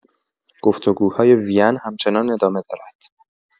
گفتگوهای وین همچنان ادامه دارد.